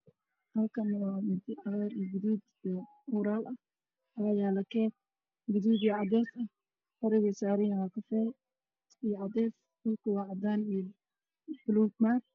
Meeshaan waxaa yaalo miis ay saaranyihiin cakch ah mid waa caddaan mid kalena waa gaduud